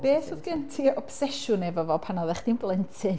Beth oedd gen ti obsesiwn efo fo pan oedda chdi'n blentyn?